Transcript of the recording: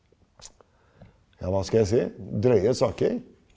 ja hva skal jeg si drøye saker.